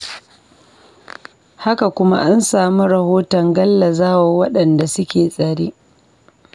Haka kuma, an samu rahoton gallazawa waɗanda suke tsare.